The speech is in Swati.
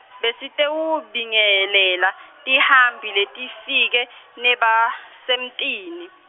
Besitewubingelela, tihambi letifike, nebasemtini.